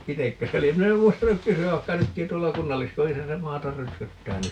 itsekö se lie minä en muistanut kysyä vaikka nytkin tuolla kunnalliskodissa se maata rötköttää nyt